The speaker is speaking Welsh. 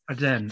Ydyn.